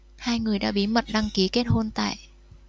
hai người đã bí mật đăng ký kết hôn tại